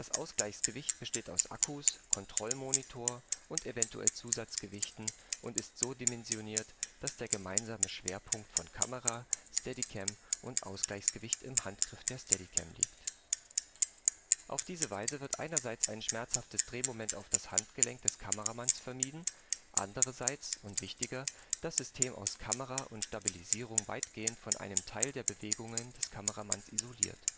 Ausgleichsgewicht besteht aus Akkus, Kontrollmonitor und eventuell Zusatzgewichten und ist so dimensioniert, dass der gemeinsame Schwerpunkt von Kamera, Steadicam und Ausgleichsgewicht im Handgriff der Steadicam liegt. Auf diese Weise wird einerseits ein schmerzhaftes Drehmoment auf das Handgelenk des Kameramanns vermieden, andererseits (und wichtiger) das System aus Kamera und Stabilisierung weitgehend von einem Teil der Bewegungen des Kameramanns isoliert